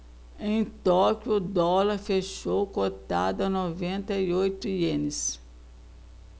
em tóquio o dólar fechou cotado a noventa e oito ienes